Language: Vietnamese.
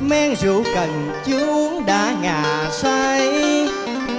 mang rượu cần chưa uống đã ngà say